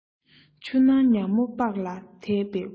ཆུ ནང ཉ མོ སྤགས ལ དད པས ཕུང